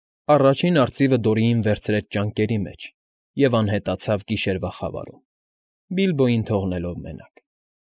Առաջին արծիվը Դորիին վերցրեց ճանկերի մեջ և անհետացավ գիշերվա խավարում, Բիլբոյին թողնելով մենակ։